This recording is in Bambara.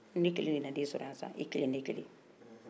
ne kelen de nana e sɔrɔ yan sisan e kelen ne kelen